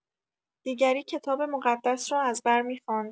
دیگری کتاب مقدس را از بر می‌خواند.